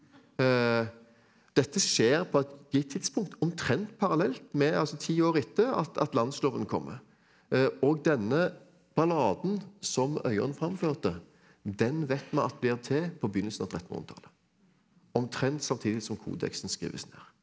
dette skjer på et gitt tidspunkt omtrent parallelt med altså ti år etter at at Landsloven kommer og denne balladen som Øyonn framførte den vet vi at blir til på begynnelsen av trettenhundretallet, omtrent samtidig som kodeksen skrives ned.